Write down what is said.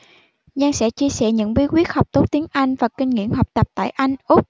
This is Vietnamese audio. giang sẽ chia sẻ những bí quyết học tốt tiếng anh và kinh nghiệm học tập tại anh úc